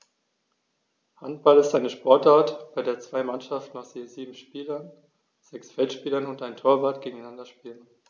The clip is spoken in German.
Handball ist eine Sportart, bei der zwei Mannschaften aus je sieben Spielern (sechs Feldspieler und ein Torwart) gegeneinander spielen.